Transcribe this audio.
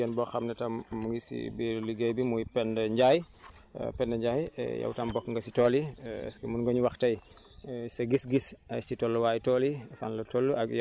suñu beneen jigéen boo xam ne tam mu ngi si biir liggéey bi muy Penda Ndiaye Penda Ndiaye yow tam bokk nga si tool yi est ce que mun nga ñu wax tey sa gis-gis si tolluwaay tool yi